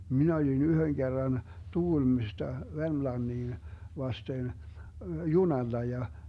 minä olin yhden kerran Tukholmasta Vermlantiin vasten junalla ja